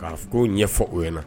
Karisa' ɲɛ ɲɛfɔ o ɲɛna